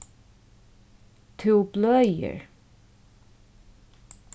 tú bløðir